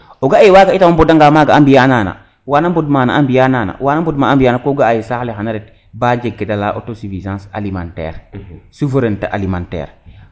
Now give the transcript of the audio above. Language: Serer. o ga e waga itam a mboda nga nana a mbiya naga wana mbod mana a mbiya nana wana bond ma a mbiya na ko ga a ye saax le xana ret ba jeg kede leya auto suffisance alimentaire souverainter alimentaire